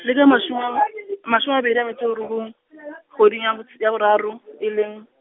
le ka mashome a ma-, mashome a mabedi a metso e robong , kgwedi ya bot-, ya boraro, e leng.